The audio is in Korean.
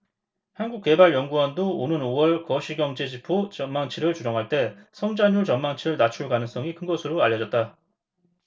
한국개발연구원도 오는 오 월 거시경제지표 전망치를 조정할 때 성장률 전망치를 낮출 가능성이 큰 것으로 알려졌다